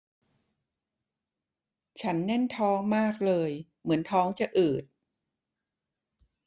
ฉันแน่นท้องมากเลยเหมือนท้องจะอืด